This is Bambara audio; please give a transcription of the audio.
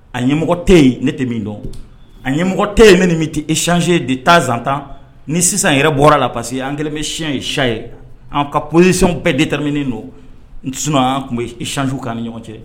A ɲɛmɔgɔ tɛ ne tɛ min dɔn a ɲɛmɔgɔ tɛ ye min tɛ eczse ye de taa zan tan ni sisan yɛrɛ bɔra la parce que an kɛlen bɛ siyɛn ye sa ye an ka psisi bɛɛ detamini don tun bɛcsiw kan ni ɲɔgɔn cɛ